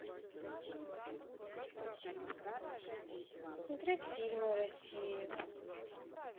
смотреть фильмы россии